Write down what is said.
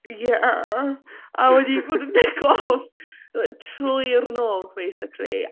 Ie, a wedi bod yn neco off trwy'r nos basically...